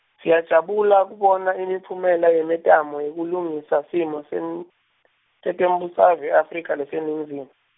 Siyajabula kubona imiphumela yemitamo yekulungisa simo sen- setembusave e-Afrika leseNingizimu.